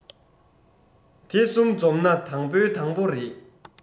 དེ གསུམ འཛོམས ན དང པོའི དང པོ རེད